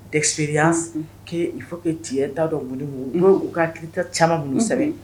Dɛsɛsi k' k' ti t'a dɔn wili n u ka kiyita caman minnu sɛbɛn